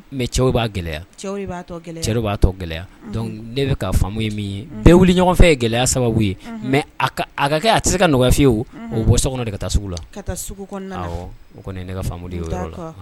Mɛ cɛw b'a gɛlɛya cɛw b'a tɔ gɛlɛya ne bɛ ka ye min ye bɛɛ wuli ɲɔgɔnfɛ ye gɛlɛya sababu ye mɛ a ka kɛ a tɛ se ka nɔgɔyafinye ye o bɔ so kɔnɔ ka taa sugu la o kɔni ne ka yɔrɔ la